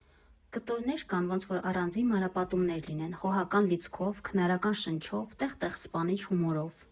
Կտորներ կան, ոնց որ առանձին մանրապատումներ լինեն՝ խոհական լիցքով, քնարական շնչով, տեղ֊տեղ սպանիչ հումորով։